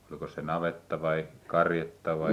olikos se navetta vai karjatta vai